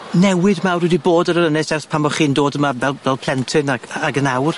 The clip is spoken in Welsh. newid mawr wedi bod ar yr Ynys ers pan bo' chi'n dod yma fel fel plentyn ag ag yn awr?